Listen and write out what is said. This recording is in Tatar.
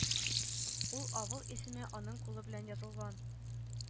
Ул авыл исеме аның кулы белән язылган